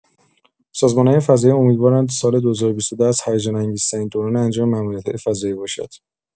سازمان‌های فضایی امیدوارند سال ۲۰۲۲ از هیجان انگیزترین دوران انجام ماموریت‌های فضایی باشد.